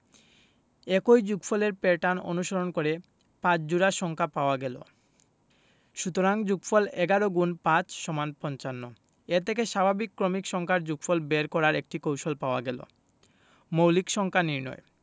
একই যোগফলের প্যাটার্ন অনুসরণ করে ৫ জোড়া সংখ্যা পাওয়া গেল সুতরাং যোগফল ১১*৫=৫৫ এ থেকে স্বাভাবিক ক্রমিক সংখ্যার যোগফল বের করার একটি কৌশল পাওয়া গেল মৌলিক সংখ্যা নির্ণয়